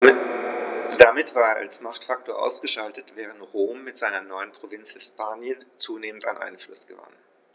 Damit war es als Machtfaktor ausgeschaltet, während Rom mit seiner neuen Provinz Hispanien zunehmend an Einfluss gewann.